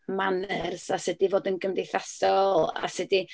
manners a sut i fod yn gymdeithasol, a sut i...